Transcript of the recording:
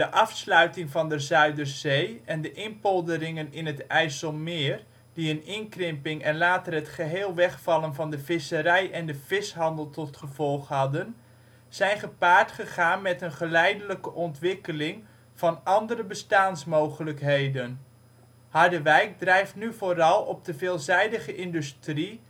afsluiting van de Zuiderzee en de inpolderingen in het IJsselmeer, die een inkrimping en later het geheel wegvallen van de visserij en de vishandel tot gevolg hadden, zijn gepaard gegaan met een geleidelijke ontwikkeling van andere bestaansmogelijkheden. Harderwijk drijft nu vooral op de veelzijdige industrie